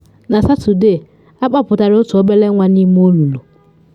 Na Satọde, akpapụtara otu obere nwa n’ime olulu.